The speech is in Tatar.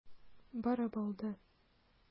Барып алды.